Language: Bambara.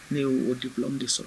Ne ye o de bulon de sɔrɔ